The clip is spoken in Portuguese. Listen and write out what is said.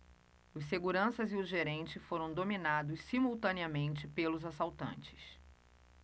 os seguranças e o gerente foram dominados simultaneamente pelos assaltantes